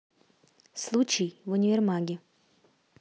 случай в универмаге